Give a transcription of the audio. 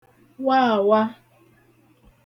waàwa